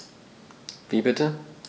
Wie bitte?